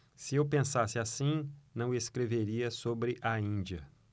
se eu pensasse assim não escreveria sobre a índia